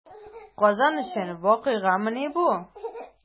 Казан өчен вакыйгамыни бу?